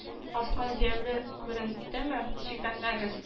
Аскан җәяүле күрендеме, шикләнмәгез